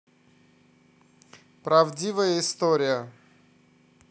правдивая история